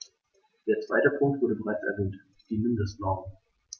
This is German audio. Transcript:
Der zweite Punkt wurde bereits erwähnt: die Mindestnormen.